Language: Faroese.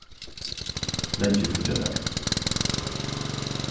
langi fríggjadagur